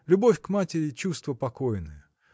любовь к матери – чувство покойное.